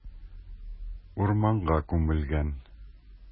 Урманга күмелгән.